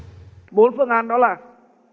bốn phương án đó là